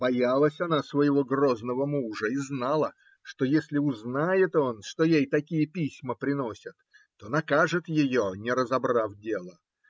Боялась она своего грозного мужа и знала, что если узнает он, что ей такие письма приносят, то накажет ее, не разобрав дела.